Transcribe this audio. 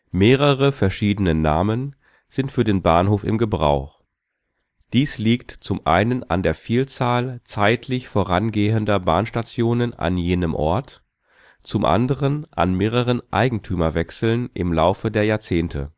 Mehrere verschiedene Namen sind für den Bahnhof in Gebrauch. Dies liegt zum einen an der Vielzahl zeitlich vorangehender Bahnstationen an jenem Ort, zum anderen an mehreren Eigentümerwechseln im Laufe der Jahrzehnte